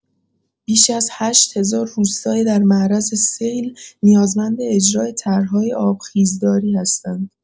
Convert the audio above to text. بیش از ۸ هزار روستای در معرض سیل، نیازمند اجرای طرح‌های آبخیزداری هستند.